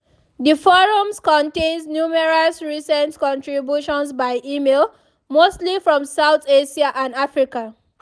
The forums contains numerous recent contributions by email, mostly from South Asia and Africa.